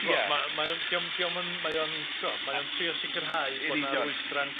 T'mo ma' mae o'n dio'm dio'm yn mae o'n t'mo' mae o'n trio sicrhau bod... Ydi. 'na rwystra'n codi.